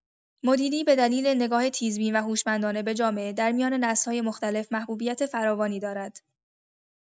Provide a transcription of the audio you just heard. مدیری به دلیل نگاه تیزبین و هوشمندانه به جامعه، در میان نسل‌های مختلف محبوبیت فراوانی دارد.